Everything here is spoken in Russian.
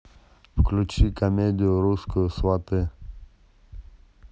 включи комедию русскую сваты